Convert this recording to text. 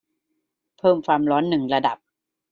เพิ่มความร้อนหนึ่งระดับ